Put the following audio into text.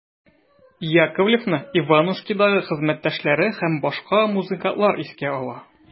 Яковлевны «Иванушки»дагы хезмәттәшләре һәм башка музыкантлар искә ала.